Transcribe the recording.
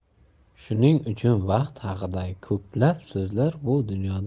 shuning uchun vaqt haqidagi ko'plab so'zlar bu